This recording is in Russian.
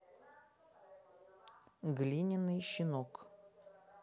глиняный щенок